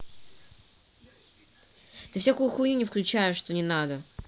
ты всякую хуйню не включаешь что не надо